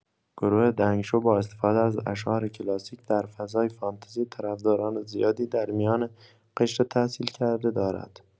گروه دنگ شو با استفاده از اشعار کلاسیک در فضایی فانتزی، طرفداران زیادی در میان قشر تحصیل‌کرده دارد.